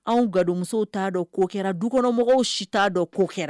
Anw gadonmusow t'a dɔn ko kɛra dukɔnɔmɔgɔw si t'a dɔn ko kɛra.